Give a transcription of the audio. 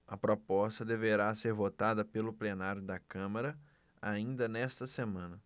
a proposta deverá ser votada pelo plenário da câmara ainda nesta semana